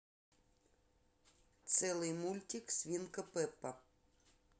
целый мультик свинка пеппа